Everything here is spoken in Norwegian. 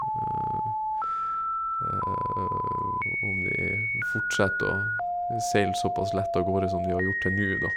Om de fortsetter å seile såpass lett avgårde som de har gjort til nu, da.